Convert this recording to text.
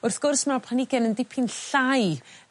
Wrth gwrs ma'r planigen yn dipyn llai